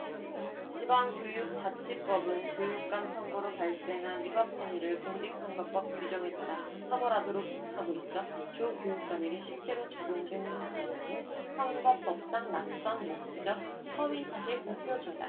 지방교육자치법은 교육감 선거로 발생한 위법행위를 공직선거법 규정에 따라 처벌하도록 하고 있어 조 교육감에게 실제로 적용된 죄명은 선거법상 낙선목적 허위사실공표죄다